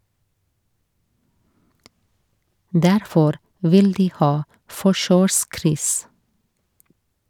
Derfor vil de ha forkjørskryss.